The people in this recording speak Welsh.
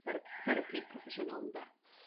thera- therapi proffesiynol ynde?